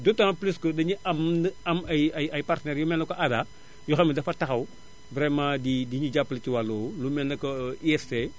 d' autant plus que dañu am dañu am ay ay ay partenaires yu mel ne que ADA yoo xam ne dafa taxaw vraiment di di ñu jàppale si wàll woowu lu mel ne que IST